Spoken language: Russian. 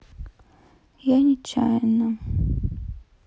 я нечаянно